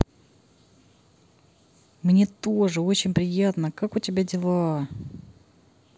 мне тоже очень приятно как у тебя дела